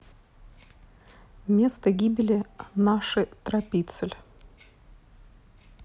место гибели наши тропицель